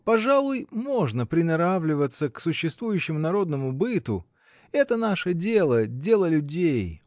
Пожалуй, можно приноравливаться к существующему народному быту это наше дело, дело людей.